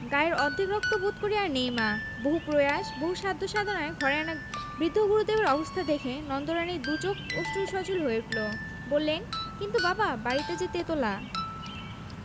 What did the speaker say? গায়ের অর্ধেক রক্ত বোধ করি আর নেই মা বহু প্রয়াস বহু সাধ্য সাধনায় ঘরে আনা বৃদ্ধ গুরুদেবের অবস্থা দেখে নন্দরানীর দু'চোখ অশ্রু সজল হয়ে উঠল বললেন কিন্তু বাবা বাড়িটা যে তেতলা